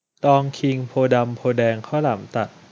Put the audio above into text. ตองคิงโพธิ์ดำโพธิ์แดงข้าวหลามตัด